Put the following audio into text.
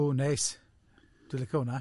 Ww, neis, dwi'n licio hwnna.